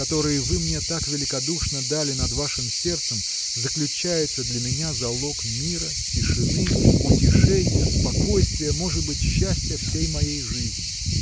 которые вы мне так великодушно дали над вашим сердцем заключается для меня залог мира тишины утешения спокойствия может быть счастья всей моей жизни.